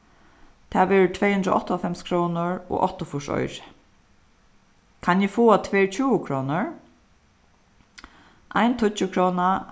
tað verður tvey hundrað og áttaoghálvfems krónur og áttaogfýrs oyru kann eg fáa tvær tjúgukrónur ein tíggjukróna